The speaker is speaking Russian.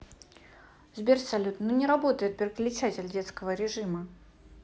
сбер салют не работает переключатель детского режима